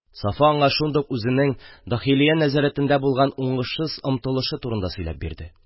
Сафа аңа шундук үзенең Дахилия нәзәрәтендә булган уңышсыз омтылышы турында сөйләп бирде.